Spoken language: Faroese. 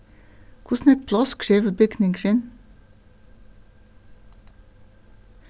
hvussu nógv pláss krevur bygningurin